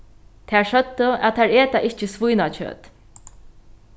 tær søgdu at tær eta ikki svínakjøt